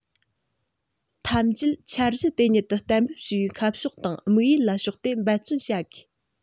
ཐམས ཅད འཆར གཞི དེ ཉིད དུ གཏན འབེབས བྱས པའི ཁ ཕྱོགས དང དམིགས ཡུལ ལ ཕྱོགས ཏེ འབད བརྩོན བྱ དགོས